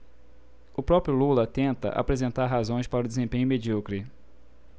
o próprio lula tenta apresentar razões para o desempenho medíocre